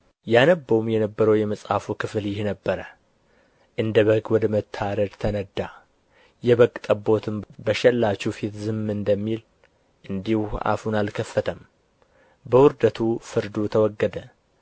ያነበውም የነበረ የመጽሐፉ ክፍል ይህ ነበረ እንደ በግ ወደ መታረድ ተነዳ የበግ ጠቦትም በሸላቹ ፊት ዝም እንደሚል እንዲሁ አፉን አልከፈተም በውርደቱ ፍርዱ ተወገደ